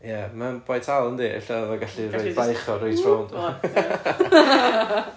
Ie mae'n boi tal yndy ella o'dd o'n gallu braich o reit rownd